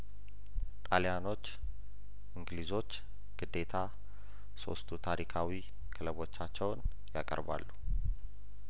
ጣልያኖች እንግሊዞች ግዴታ ሶስቱ ታሪካዊ ክለቦቻቸውን ያቀርባሉ